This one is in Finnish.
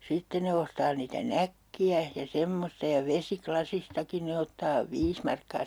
sitten ne ostaa niitä nakkeja ja semmoista ja vesilasistakin ne ottaa viisi markkaa